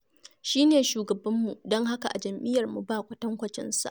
Shi ne shugabanmu, don haka a jam'iyyarmu ba kwatankwacinsa.